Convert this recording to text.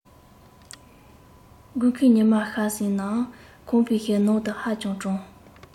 དགུན ཁའི ཉི མ ཤར ཟིན ནའང ཁང པའི ནང དུ ཧ ཅང གྲང